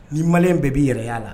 Nii ma in bɛɛ b'i yɛrɛya la